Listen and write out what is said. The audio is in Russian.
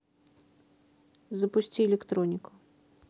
запусти электронику